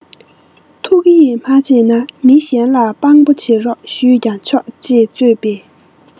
ཐུགས ཡིད མ ཆེས ན མི གཞན ལ དཔང པོ བྱེད རོགས ཞུས ཀྱང ཆོག ཅེས ཙོད པས